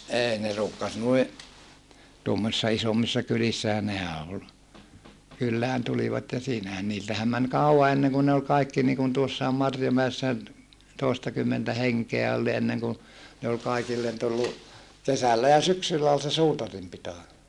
ei ne ruukasi noin tuommoisissa isommissa kylissähän nehän oli kylään tulivat ja siinähän niiltähän meni kauan ennen kuin ne oli kaikki niin kuin tuossakin Marjomäessä toistakymmentä henkeä oli niin ennen kuin ne oli kaikille tullut kesällä ja syksyllä oli se suutarin pito